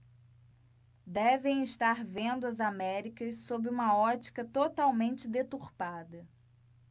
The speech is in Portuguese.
devem estar vendo as américas sob uma ótica totalmente deturpada